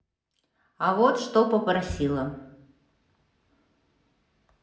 я вот что попросила